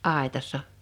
aitassa